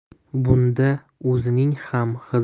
bunda o'zining ham